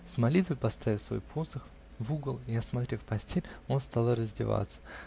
С молитвой поставив свой посох в угол и осмотрев постель, он стал раздеваться.